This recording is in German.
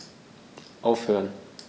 Aufhören.